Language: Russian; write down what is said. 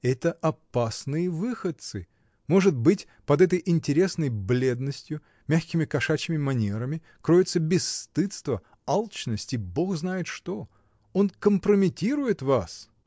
Это опасные выходцы: может быть, под этой интересной бледностью, мягкими кошачьими манерами кроется бесстыдство, алчность и бог знает что! Он компрометирует вас.